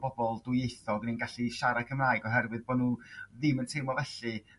bobol dwyieithog neu sy'n gallu siarad Cymraeg oherwydd bo' n'w ddim yn teimlo felly